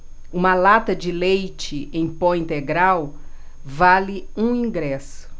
uma lata de leite em pó integral vale um ingresso